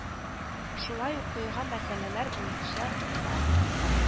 Шулай ук куелган мәсьәләләр буенча ка